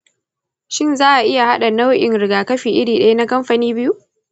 shin za'a iya haɗa nau'in rigakafi iri ɗaya na kamfani biyu.